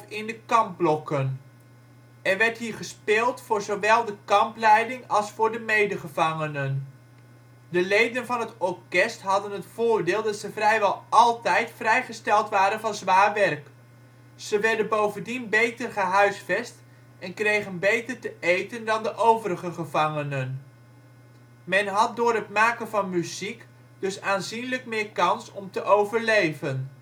in de kampblokken. Er werd hier gespeeld voor zowel de kampleiding als voor de medegevangenen. De leden van het orkest hadden het voordeel dat ze vrijwel altijd vrijgesteld waren van zwaar werk. Ze werden bovendien beter gehuisvest en kregen beter te eten dan de overige gevangenen. Men had door het maken van muziek dus aanzienlijk meer kans om te overleven